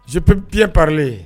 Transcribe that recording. Jioptiprlen